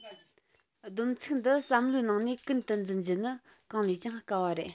བསྡོམས ཚིག འདི བསམ བློའི ནང དུས ཀུན དུ འཛིན རྒྱུ ནི གང ལས ཀྱང དཀའ བ རེད